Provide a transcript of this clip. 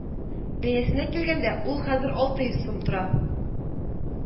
Бәясенә килгәндә, ул хәзер алты йөз сум тора